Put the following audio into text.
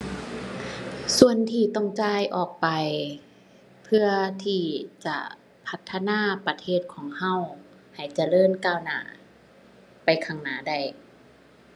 ส่วนที่ต้องจ่ายออกไป เพื่อที่จะพัฒนาประเทศของเราให้เจริญก้าวหน้าไปข้างหน้าได้